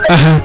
axa